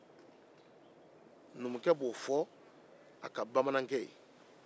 numukɛ b'o fɔ a ka bamanankɛ ye